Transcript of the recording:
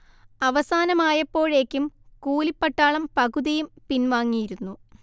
അവസാനമായപ്പോഴേക്കും കൂലിപ്പട്ടാളം പകുതിയും പിൻവാങ്ങിയിരുന്നു